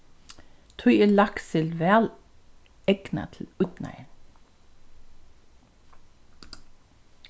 tí er lakssild vælegnað til ídnaðin